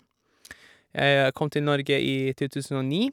Jeg kom til Norge i to tusen og ni.